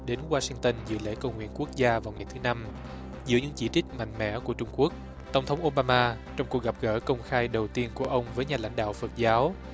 đến goa sinh tơn dự lễ cầu nguyện quốc gia vào ngày thứ năm giữa những chỉ trích mạnh mẽ của trung quốc tổng thống ô ba ma trong cuộc gặp gỡ công khai đầu tiên của ông với nhà lãnh đạo phật giáo